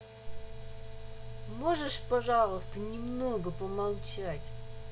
можешь пожалуйста ты немного помолчать